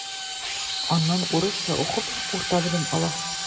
Аннан урысча укып урта белем ала.